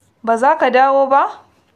Ba za ka dawo ba!